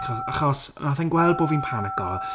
acho- achos wnaeth e'n gweld bod fi'n panico...